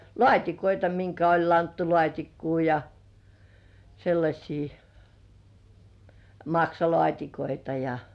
laatikoita minkä oli lanttulaatikkoa ja sellaisia maksalaatikoita ja